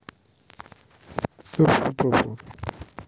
мертвый папа